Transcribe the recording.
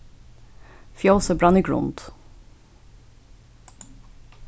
fjósið brann í grund